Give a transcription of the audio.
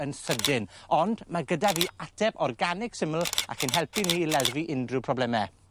yn sydyn ond ma' gyda fi ateb organig syml all ein helpu ni i leddfu unrhyw probleme.